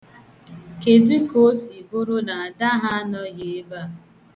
Kedụ ka o si bụrụ na ada ha anọghị ebea?